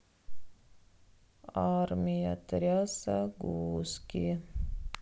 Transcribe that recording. армия трясогузки